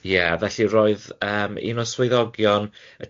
Ie, felly roedd yym un o swyddogion y tîm